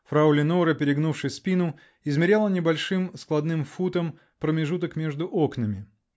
Фрау Леноре перегнувши спину, измеряла небольшим складным футом промежуток между окнами.